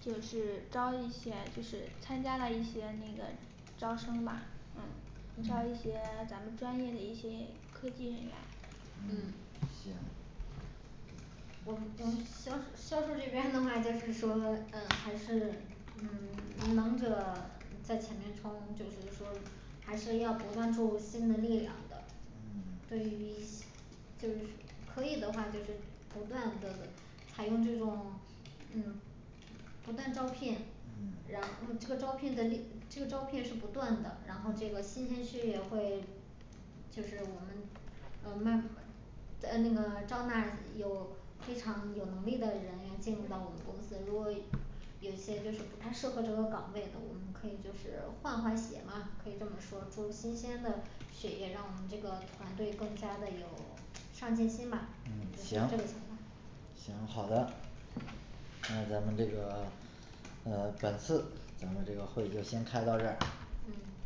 就是招一些就是参加了一些那个招生吧，嗯招一些咱们专业的一些科技人员。嗯行我们销销售这边的话就是说呃还是嗯 能者在前面冲就是说还是要不断注入新的力量的。嗯对于一些 就是可以的话就是不断的采用这种嗯不断招聘，嗯然后这招聘人力这招聘是不断的，然后这个新鲜血液会就是我们呃慢呃那个招纳有非常有能力的人员进入到我们公司如果有些就是不太适合这个岗位的，我们可以就是换换血嘛，可以这么说，注入新鲜的血液让我们这个团队更加的有上进心吧嗯，行这行好的。那咱们这个呃本次咱们这个会就先开到这儿。嗯